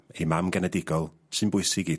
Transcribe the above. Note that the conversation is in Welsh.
...'i mam genedigol sy'n bwysig i...